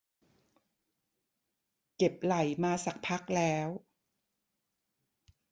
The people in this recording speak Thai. เจ็บไหล่มาสักพักแล้ว